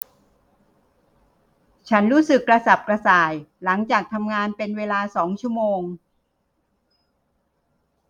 ฉันรู้สึกกระสับกระส่ายหลังจากทำงานเป็นเวลาสองชั่วโมง